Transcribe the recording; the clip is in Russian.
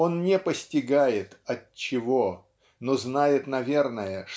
Он не постигает -- отчего но знает наверное